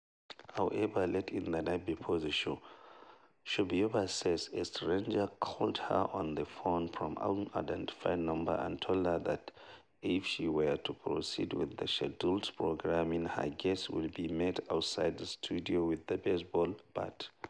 However, late in the night before the show, Shabuyeva says, a stranger called her on the phone from an unidentified number and told her that if she were to proceed with the scheduled programming, her guests would be met outside the studio with baseball bats.